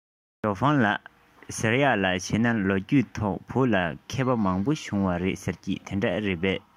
ཞའོ ཧྥུང ལགས ཟེར ཡས ལ བྱས ན ལོ རྒྱུས ཐོག བོད ལ མཁས པ མང པོ བྱུང བ རེད ཟེར གྱིས དེ འདྲ རེད པས